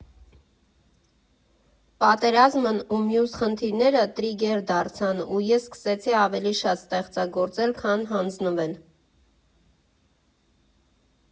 Պատերազմն ու մյուս խնդիրները թրիգեր դարձան, ու ես սկսեցի ավելի շատ ստեղծագործել, քան հանձնվել։